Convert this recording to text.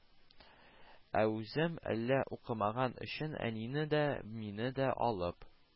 Ә үзем, әллә укымаган өчен әнине дә, мине дә алып